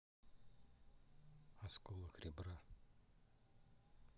осколок ребра